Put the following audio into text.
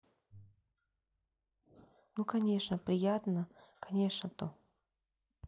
ну конечно приятно конечно то